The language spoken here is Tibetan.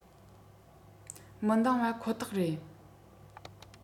མི འདང བ ཁོ ཐག རེད